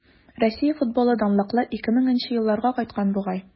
Россия футболы данлыклы 2000 нче елларга кайткан бугай.